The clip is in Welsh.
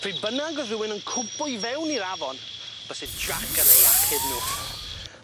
Pryd bynnag o'dd rywun yn cwmpo i fewn i'r afon byse Jack yn eu achub nw.